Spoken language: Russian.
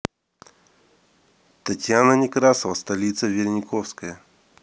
татьяна некрасова столица варениковская